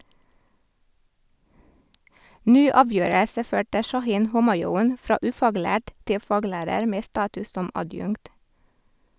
Ny avgjørelse førte Shahin Homayoun fra ufaglært til faglærer med status som adjunkt.